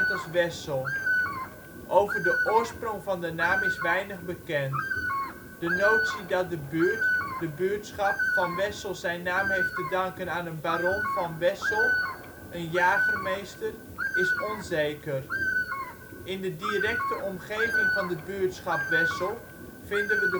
als Wessel. Over de oorsprong van de naam is weinig bekend. De notie dat de buurt (de buurtschap) van Wessel zijn naam heeft te danken aan een baron Van Wessel, een jagermeester, is onzeker. In de directe omgeving van de buurtschap Wessel vinden